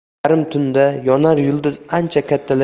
yarim tunda yonar yulduz ancha